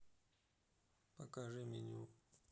покажи меню